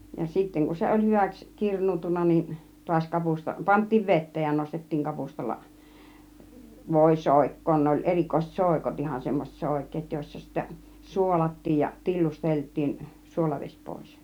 ja sitten kun se oli hyväksi kirnuuntunut niin taas kapusta pantiin veteen ja nostettiin kapustalla voi soikkoon ne oli erikoiset soikot ihan semmoiset soikeat joissa sitten suolattiin ja tillusteltiin suolavesi pois